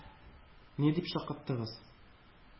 -ни дип шаккаттыгыз.